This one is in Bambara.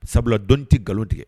Sabula dɔn tɛ nkalon tigɛ